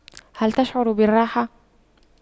هل تشعر بالراحة